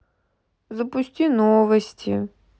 запустить новости